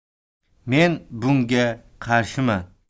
men bunga qarshiman